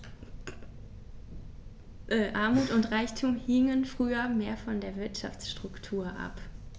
Armut und Reichtum hingen früher mehr von der Wirtschaftsstruktur ab.